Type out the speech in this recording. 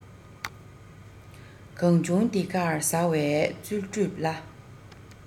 གང བྱུང དེ གར ཟ བས རྩོལ སྒྲུབ སླ